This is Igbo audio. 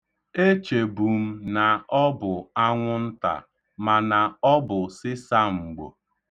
Echebu m na ọ bụ anwụnta, mana ọ bụ sịsamgbo.